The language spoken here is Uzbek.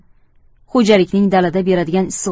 xo'jalikning dalada beradigan issiq